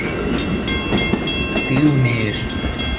ты умеешь